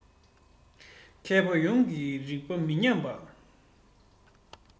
མཁས པ ཡོངས ཀྱི རིག པ མི ཉམས པ